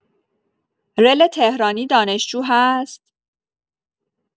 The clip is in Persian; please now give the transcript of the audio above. رل تهرانی دانشجو هست؟